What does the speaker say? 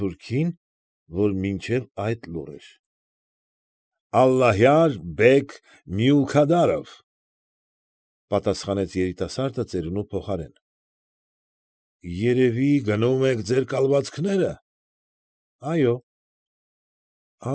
Թուրքին, որ մինչ այդ լուռ էր։ ֊ Ալլահյար֊բեգ Մյուլքադարով,֊ պատասխանց երիտասարդը ծերունու փոխարեն։ ֊ Երևի գնում եք ձեր կալվածքները։ ֊ Այո։